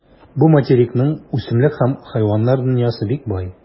Бу материкның үсемлек һәм хайваннар дөньясы бик бай.